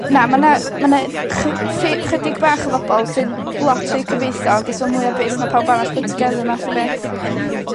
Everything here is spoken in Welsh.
na ma' 'na ma' 'na chy- ffe- chydig bach o fobol sy'n lot fwy cyfoethog a sy a mwy o bres na pawb arall put together math o beth.